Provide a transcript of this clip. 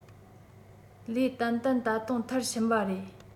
ལས ཏན ཏན ད དུང མཐར ཕྱིན པ རེད